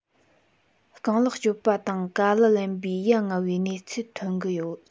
རྐང ལག གཅོད པ དང ཀ ལི ལེན པའི ཡ ང བའི གནས ཚུལ ཐོན གྱི ཡོད